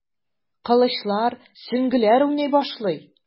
Кылычлар, сөңгеләр уйный башлый.